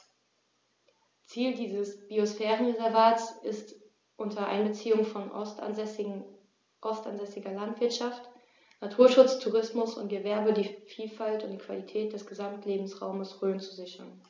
Ziel dieses Biosphärenreservates ist, unter Einbeziehung von ortsansässiger Landwirtschaft, Naturschutz, Tourismus und Gewerbe die Vielfalt und die Qualität des Gesamtlebensraumes Rhön zu sichern.